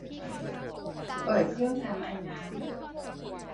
เปิดเครื่องทำไอน้ำ